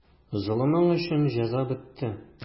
Золымың өчен җәза бетте.